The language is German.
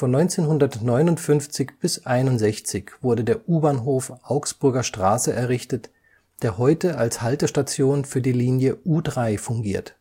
1959 bis 1961 wurde der U-Bahnhof Augsburger Straße errichtet, der heute als Haltestation für die Linie U3 fungiert